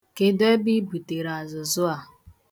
Kedu ebe ị butere azụzụ a?